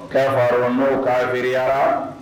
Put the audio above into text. Karamɔgɔmɔgɔww k'airiyara